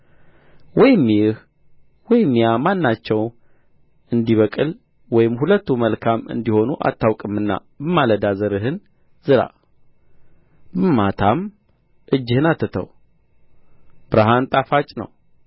ወይም ይህ ወይም ያ ማናቸው እንዲበቅል ወይም ሁለቱ መልካም እንዲሆኑ አታውቅምና በማለዳ ዘርህን ዝራ በማታም እጅህን አትተው ብርሃን ጣፋጭ ነው